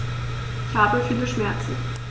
Ich habe viele Schmerzen.